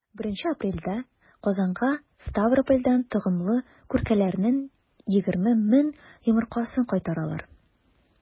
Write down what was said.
1 апрельдә казанга ставропольдән токымлы күркәләрнең 20 мең йомыркасын кайтаралар.